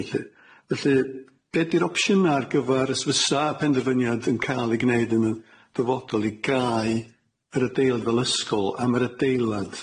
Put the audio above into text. Felly, felly be 'di'r opsiyna ar gyfar, os fysa penderfyniad yn ca'l 'i gneud yn yy dyfodol i gau yr adeilad fel ysgol, am yr adeilad?